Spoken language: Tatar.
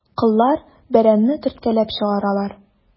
Коллар бәрәнне төрткәләп чыгаралар.